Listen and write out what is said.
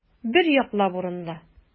Бер яклап урынлы.